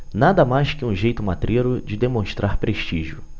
nada mais que um jeito matreiro de demonstrar prestígio